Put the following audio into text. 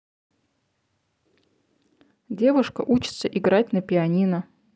девушка учится играть на пианино